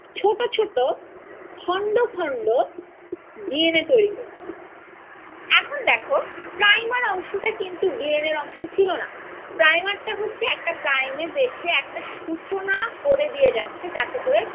ছোট ছোট খন্ড খন্ড ডি এন এ তৈরি করছে এখন দেখ প্রাইমার অংশটা কিন্তু ডি এন এর অংশ ছিলনা প্রাইমার টা হচ্ছে একটা প্রাইমেজ এসে একটা সুচনা করে দিয়ে যাচ্ছে যাতে করে